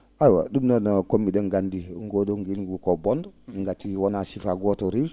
awa ?um noon ko mi?en nganndi nguu ?oo ngilngu ko ngu bonngu ngati wonaa sifaa gooto ngu rewi